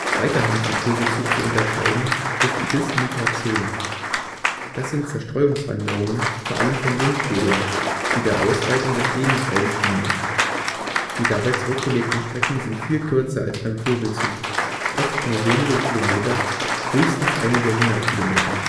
Weiterhin vom Vogelzug zu unterscheiden ist die Dismigration. Das sind Zerstreuungswanderungen vor allem von Jungvögeln, die der Ausweitung des Lebensraums dienen. Die dabei zurückgelegten Strecken sind viel kürzer als beim Vogelzug – oft nur wenige Kilometer, höchstens einige hundert Kilometer